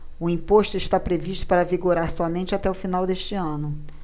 o imposto está previsto para vigorar somente até o final deste ano